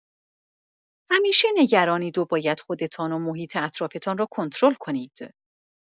همیشه نگرانید و باید خودتان و محیط اطرافتان را کنترل کنید.